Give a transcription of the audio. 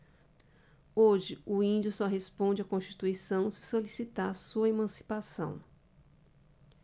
hoje o índio só responde à constituição se solicitar sua emancipação